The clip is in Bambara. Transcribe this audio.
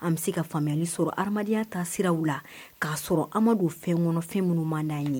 An bɛ se ka faamuyali sɔrɔ hadenya ta siraw la k'a sɔrɔ amadu fɛn kɔnɔ fɛn minnu ma' ye